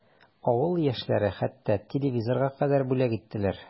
Авыл яшьләре хәтта телевизорга кадәр бүләк иттеләр.